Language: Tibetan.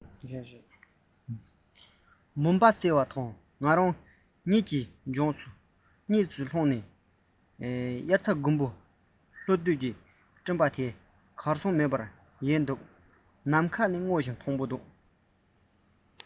མུན གསལ བ དང ང རང གཉིད ཀྱི ལྗོངས སུ ལྷུང རྭ ཅོ ཅན གྱི དབྱར རྩྭ དགུན འབུ ལྷོ བཞུད ཀྱི སྤྲིན པ དེ གར སོང མེད པར ཡལ འདུག ནམ མཁའ སྔོ ཞིང དྭངས